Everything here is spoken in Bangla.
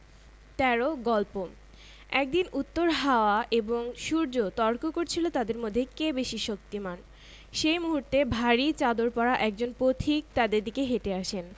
ঈদ অফারে সবাই কাত ৩০০ ফ্রি ফ্রিজে বাজিমাত শীর্ষক ক্যাম্পেইনটি ১ আগস্ট থেকে শুরু হয়ে চলবে মাস জুড়ে ক্যাম্পেইনে ফ্রিজআগস্ট মাস জুড়ে